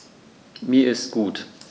Mir ist gut.